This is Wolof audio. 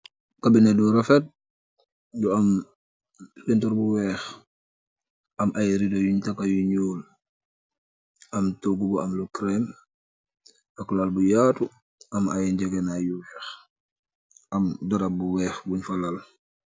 Kabinet bu refet bu aam painter bu weex aam ay redo yun taka yu nuul aam togu bu aam bu cream ak laal bu yatu aam ay ngegenay yu weex aam daram bu weex bunn fa laal.